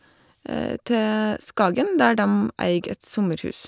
Til Skagen, der dem eier et sommerhus.